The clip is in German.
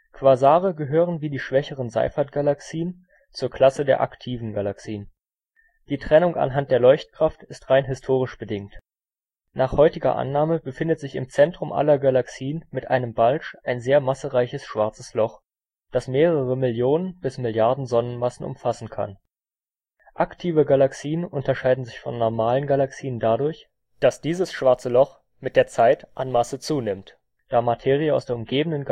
Quasare gehören wie die schwächeren Seyfertgalaxien zur Klasse der aktiven Galaxien. Die Trennung anhand der Leuchtkraft ist rein historisch bedingt. Nach heutiger Annahme befindet sich im Zentrum aller Galaxien mit einem Bulge ein sehr massereiches Schwarzes Loch, das mehrere Millionen bis Milliarden Sonnenmassen umfassen kann. Aktive Galaxien unterscheiden sich von normalen Galaxien dadurch, dass dieses Schwarze Loch mit der Zeit an Masse zunimmt, da Materie aus der umgebenden